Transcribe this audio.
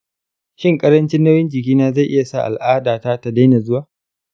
shin ƙarancin nauyin jikina zai iya sa al’adata ta daina zuwa?